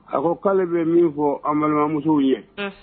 A ko k koale bɛ min fɔ adamamusow ye